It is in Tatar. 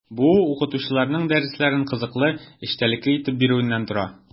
Бу – укытучыларның дәресләрен кызыклы, эчтәлекле итеп бирүеннән тора.